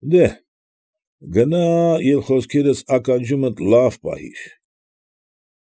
Դե՛հ, գնա և խոսքերս ականջումդ լա՛վ պահիր։